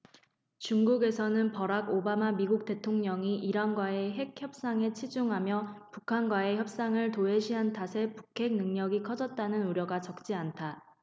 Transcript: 중국에서는 버락 오바마 미국 대통령이 이란과의 핵 협상에 치중하며 북한과의 협상을 도외시한 탓에 북핵 능력이 커졌다는 우려가 적지 않다